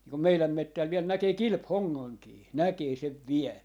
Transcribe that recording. niin kun meidän metsällä vielä näkee kilpihongankin näkee sen vielä